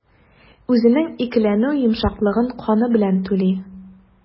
Үзенең икеләнү йомшаклыгын каны белән түли.